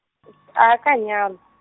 a ka nyalwa.